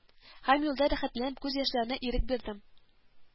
Һәм юлда рәхәтленеп күз яшьләренә ирек бирдем